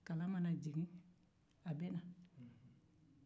kalan mana jigin a bɛ na